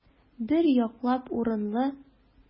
Бер яклап урынлы.